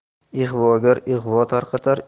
ig'vogar ig'vo tarqatar